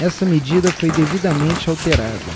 essa medida foi devidamente alterada